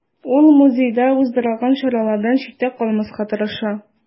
Ул музейда уздырылган чаралардан читтә калмаска тырыша.